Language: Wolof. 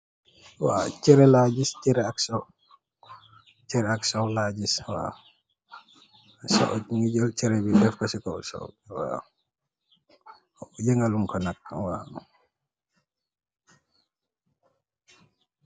Chereh la gis, chereh ak sów, ñui jel chereh def ko ci kaw sów mi.